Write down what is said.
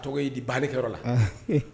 A tɔgɔ ye di bankɛ la